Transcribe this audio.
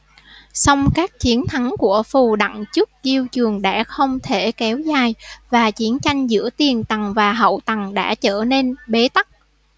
song các chiến thắng của phù đặng trước diêu trường đã không thể kéo dài và chiến tranh giữa tiền tần và hậu tần đã trở nên bế tắc